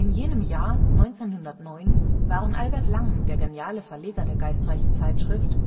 jenem Jahr 1909 waren Albert Langen (1869 – 1909), der geniale Verleger der geistreichen Zeitschrift